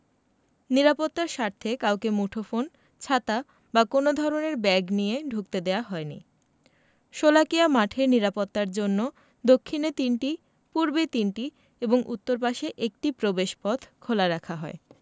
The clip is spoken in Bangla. নিরাপত্তার স্বার্থে কাউকে মুঠোফোন ছাতা বা কোনো ধরনের ব্যাগ নিয়ে ঢুকতে দেওয়া হয়নি শোলাকিয়া মাঠে নিরাপত্তার জন্য দক্ষিণে তিনটি পূর্বে তিনটি এবং উত্তর পাশে একটি প্রবেশপথ খোলা রাখা হয়